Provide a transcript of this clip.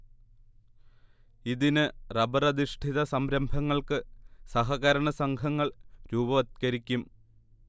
ഇതിന് റബ്ബറധിഷ്ഠിത സംരംഭങ്ങൾക്ക് സഹകരണ സംഘങ്ങൾ രൂപവത്കരിക്കും